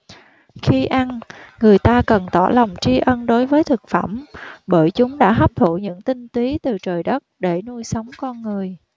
khi ăn người ta cần tỏ lòng tri ân đối với thực phẩm bởi chúng đã hấp thụ những tinh túy từ trời đất để nuôi sống con người